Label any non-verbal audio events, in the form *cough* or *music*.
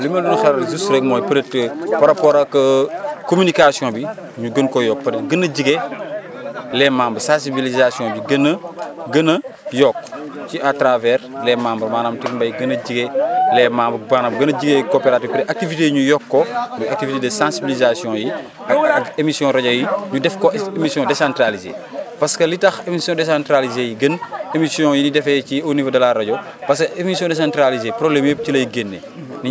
waaw li ma leen doon xelal *crosstalk* juste rek mooy *crosstalk* peut être par rapport ak *hesitation* *crosstalk* communication bi *crosstalk* ñu gën koo yokk ba pare gën a jege *crosstalk* les membres sensibilisation bi gën a gën a yokku *crosstalk* ci à travers les membres maanaam Ticmbay gën a jege *crosstalk* les memebres bu baag nag gën a jege coopérative bi *crosstalk* activité yi ñu yokku ko *crosstalk* mais activités de sensibilisation yi *crosstalk* aka ak émission rajo yi ñu def ko émission décentralisées parce que li tax émissions décentralisées yi gën *crosstalk* émission yi ñuy defee ci au niveau de la rajo *crosstalk* ^parce que émission décentralisée problèmes yëpp ci lay génnee